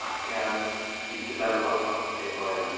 ac yym fi 'di defelypo tipyn bach o clairvoyance.